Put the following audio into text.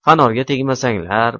fanorga tegmasanglar